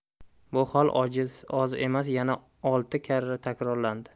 bu hol oz emas yana olti karra takrorlandi